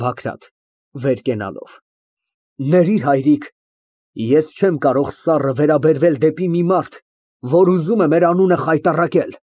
ԲԱԳՐԱՏ ֊ (Վեր կենալով) Ներիր, հայրիկ, ես չեմ կարող սառը վերաբերվել դեպի մի մարդ, որ ուզում է մեր անունը խայտառակել։